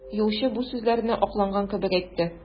Юлчы бу сүзләрне акланган кебек әйтте.